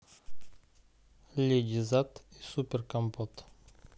леди зад и супер компот